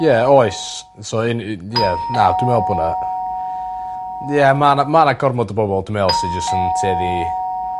Ie oes so un- u- ie na dwi me'wl bo' 'na ie ma' 'na ma' 'na gormod o bobol dwi me'wl sy jyst yn tueddu